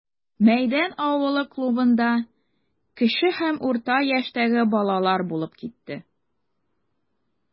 Мәйдан авылы клубында кече һәм урта яшьтәге балалар булып китте.